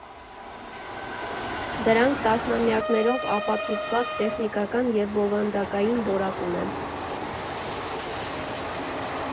Դրանք տասնամյակներով ապացուցված տեխնիկական և բովանդակային որակ ունեն։